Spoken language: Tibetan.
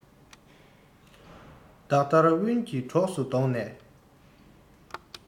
བདག ཏར ཝུན གྱི གྲོགས སུ བསྡོངས ནས